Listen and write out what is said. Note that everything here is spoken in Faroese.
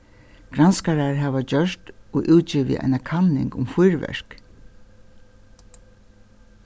granskarar hava gjørt og útgivið eina kanning um fýrverk